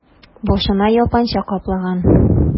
Башына япанча каплаган...